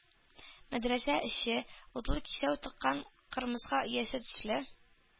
Мәдрәсә эче, утлы кисәү тыккан кырмыска оясы төсле,